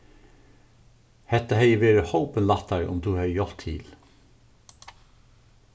hetta hevði verið hópin lættari um tú hevði hjálpt til